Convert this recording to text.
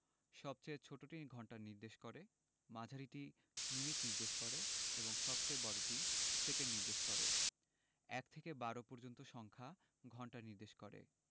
সবচেয়ে ছোটটি ঘন্টা নির্দেশ করে মাঝারিটি মিনিট নির্দেশ করে এবং সবচেয়ে বড়টি সেকেন্ড নির্দেশ করে ১ থেকে ১২ পর্যন্ত সংখ্যা ঘন্টা নির্দেশ করে